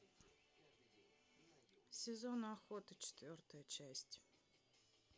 сезон охоты четвертая часть